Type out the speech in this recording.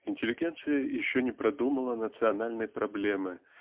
Интеллигенция еще не продумала национальной проблемы